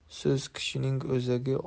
so'z kishining o'zagi